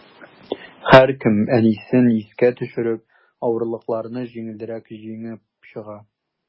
Һәркем, әнисен искә төшереп, авырлыкларны җиңелрәк җиңеп чыга.